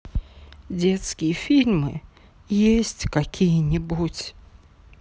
детские фильмы есть какие нибудь